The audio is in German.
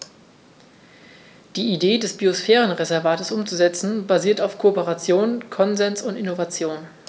Die Idee des Biosphärenreservates umzusetzen, basiert auf Kooperation, Konsens und Innovation.